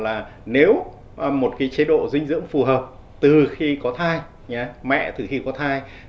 là nếu một cái chế độ dinh dưỡng phù hợp từ khi có thai nhé mẹ từ khi có thai